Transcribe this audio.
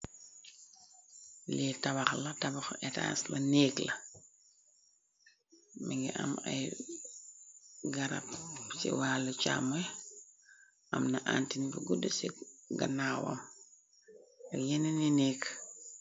Lee tawax la, tabax étas la, néek la, mi ngi am ay garab ci wàllu càmmee, amna antin bu gudd ci gannaawam, ak yenn ni nekk.